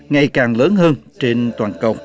ngày càng lớn hơn trên toàn cầu